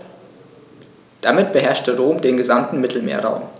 Damit beherrschte Rom den gesamten Mittelmeerraum.